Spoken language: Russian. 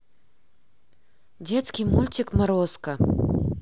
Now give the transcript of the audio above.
детский мультик морозко